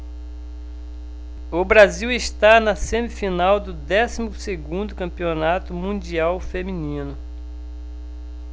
o brasil está na semifinal do décimo segundo campeonato mundial feminino